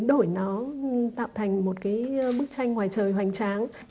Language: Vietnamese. đổi nó tạo thành một cái bức tranh ngoài trời hoành tráng